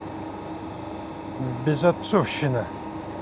безотцовщина